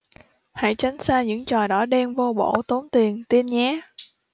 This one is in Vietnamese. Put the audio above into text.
hãy tránh xa những trò đỏ đen vô bổ tốn tiền teen nhé